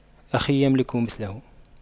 اخي يملك مثله